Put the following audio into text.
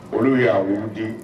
Olu y'aaw w di